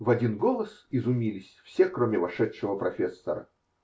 -- в один голос изумились все, кроме вошедшего профессора.